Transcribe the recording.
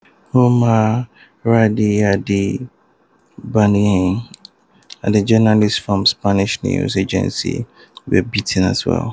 Omar Radi, Hind Bennani, and a journalist from a Spanish news agency were beaten as well.